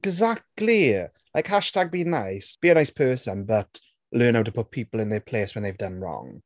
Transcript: Exactly. Like hashtag be nice. Be a nice person, but learn how to put people in their place when they've done wrong.